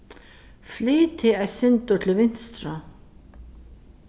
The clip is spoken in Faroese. flyt teg eitt sindur til vinstru